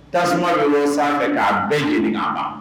Tasuma de bɔ sanfɛ k'a bɛɛ lajɛlen' a ban